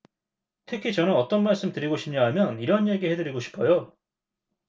특히 저는 어떤 말씀 드리고 싶냐하면 이런 얘기 해드리고 싶어요